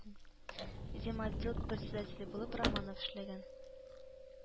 Земотдел председателе булып Романов эшләгән